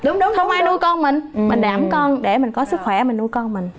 đúng đúng không ai nuôi con mình mình ẵm con để mình có sức khỏe mình nuôi con mình